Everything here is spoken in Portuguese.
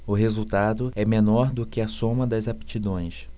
o resultado é menor do que a soma das aptidões